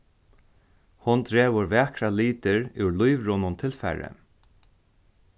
hon dregur vakrar litir úr lívrunnum tilfari